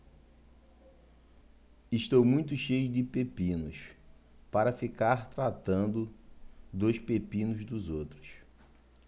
estou muito cheio de pepinos para ficar tratando dos pepinos dos outros